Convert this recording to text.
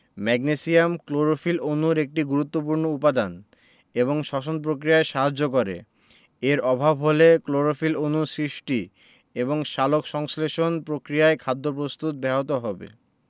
magnesium chlorophyll অণুর একটি গুরুত্বপুর্ণ উপাদান এবং শ্বসন প্রক্রিয়ায় সাহায্য করে এর অভাব হলে ক্লোরোফিল অণু সৃষ্টি এবং সালোকসংশ্লেষণ প্রক্রিয়ায় খাদ্য প্রস্তুত ব্যাহত হবে